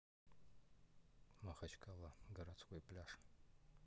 махачкала городской пляж